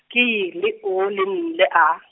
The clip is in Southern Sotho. ke Y le O le N le A .